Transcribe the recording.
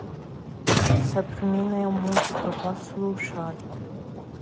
современная музыка послушать